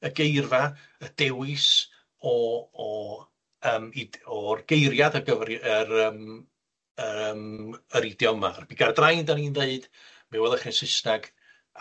y geirfa, y dewis o o yym i- o'r geiriad ar gyfer i- yr yym yym yr idiom 'ma. Piga'r drain 'dan ni'n deud mi welwch chi'n Sysneg,